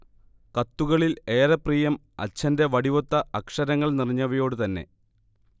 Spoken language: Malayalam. കത്തുകളിൽ ഏറെ പ്രിയം അച്ഛന്റെ വടിവൊത്ത അക്ഷരങ്ങൾ നിറഞ്ഞവയോട് തന്നെ